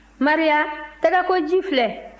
maria tɛgɛkoji filɛ